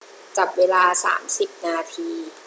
จับเวลาสามสิบนาที